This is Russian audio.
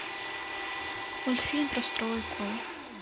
мультфильм про стройку